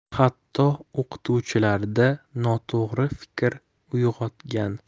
hatto o'qituvchilarda noto'g'ri fikr uyg'otgan